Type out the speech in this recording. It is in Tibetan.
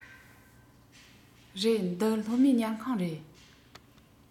རེད འདི སློབ མའི ཉལ ཁང རེད